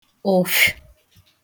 ụ̀fwụ̀